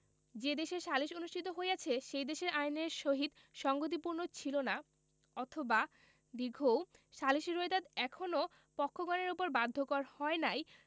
যে দেশে সালিস অনুষ্ঠিত হইয়াছে সেই দেশের আইনের সহিত সংগতিপূর্ণ ছিল না অথবা ঊ সালিসী রোয়েদাদ এখনও পক্ষগণের উপর বাধ্যকর হয় নাই